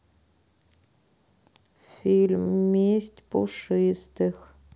фильм месть пушистых